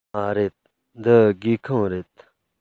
མ རེད འདི སྒེའུ ཁུང རེད